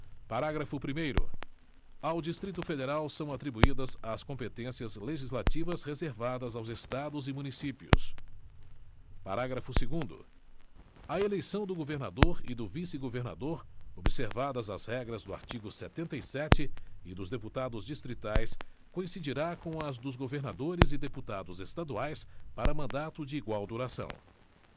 parágrafo primeiro ao distrito federal são atribuídas as competências legislativas reservadas aos estados e municípios parágrafo segundo a eleição do governador e do vice governador observadas as regras do artigo setenta e sete e dos deputados distritais coincidirá com as dos governadores e deputados estaduais para mandato de igual duração